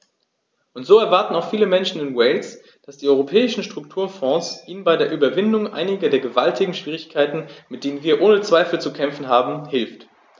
Und so erwarten auch viele Menschen in Wales, dass die Europäischen Strukturfonds ihnen bei der Überwindung einiger der gewaltigen Schwierigkeiten, mit denen wir ohne Zweifel zu kämpfen haben, hilft.